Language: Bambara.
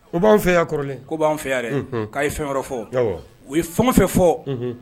Ko b'an fɛya ko b'an fɛya'a ye fɛn yɔrɔ fɔ u ye fangafɛ fɔ